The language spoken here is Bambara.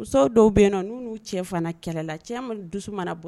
Dɔw bɛ cɛ kɛlɛ